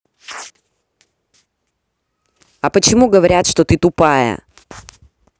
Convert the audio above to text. а почему говорят что ты тупая